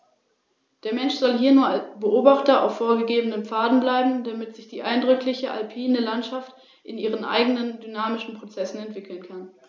Länderübergreifende zoologische und botanische Artenschutzkonzepte dienen als Grundlage für die zukünftige Naturschutzarbeit, zur Information der Bevölkerung und für die konkrete Biotoppflege.